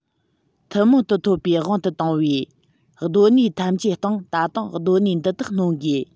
ཐུན མོང དུ ཐོབ པའི དབང དུ བཏང བའི གདོད ནུས ཐམས ཅད སྟེང ད དུང གདོད ནུས འདི རིགས སྣོན དགོས